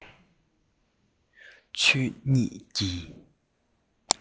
ཆོས ཉིད ཀྱི